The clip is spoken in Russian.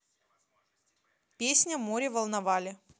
песня море волновали